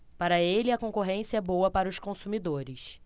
para ele a concorrência é boa para os consumidores